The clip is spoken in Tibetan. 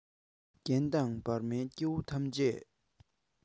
རྒན དང བར མའི སྐྱེ བོ ཐམས ཅད